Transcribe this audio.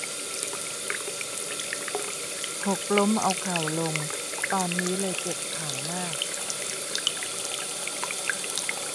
หกล้มเอาเข่าลงตอนนี้เลยเจ็บเข่ามาก